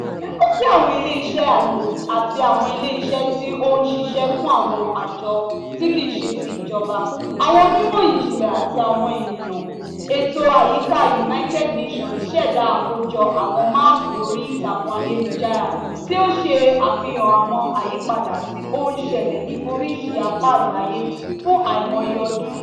Yàtọ̀ sí àwọn ilé iṣẹ́ ààyè àti àwọn ilé iṣẹ́ tí ó ń ṣiṣẹ́ fún àwọn àjọ tí kìí ṣe ti ìjọba, àwọn onímọ̀ ìjìnlẹ̀ àti àwọn ènìyàn, ètò àyíká United Nations ṣẹ̀dá àkójọ àwọn máàpù orí ìtàkùn ayélujára tí ó ń ṣe àfihàn àwọn àyípadà tí ó ń ṣẹlẹ̀ ní oríṣiríṣi apá àgbáyé fún àìmọye ọdún.